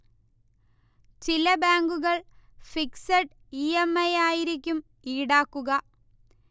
ചില ബാങ്കുകൾ fixed E. M. I. ആയിരിക്കും ഈടാക്കുക